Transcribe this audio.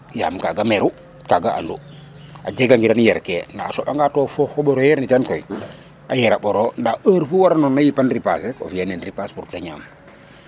yaam kaga meru kaga andu a jega ngiran yer ke nda a soɓa ŋa to fofo ɓor o yernitan koy a yera ɓoro nda heure fu wara nona yipan ripaas rek o fiya nin ripaas pour te ñaam